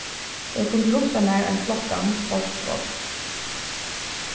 eg kundi hugsað mær ein flottan sportsvogn